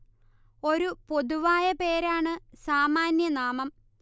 ഒരു പൊതുവായ പേരാണ് സാമാന്യ നാമം